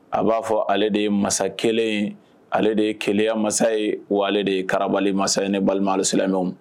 A b'a fɔ ale de ye masa kelen ale de ye keya masa ye wa ale de ye kara masa ye balima silamɛmɛw